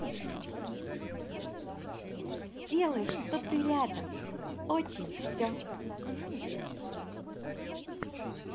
сделай что ты рядом очень все